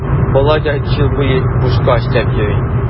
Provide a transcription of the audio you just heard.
Болай да өч ел буе бушка эшләп йөрим.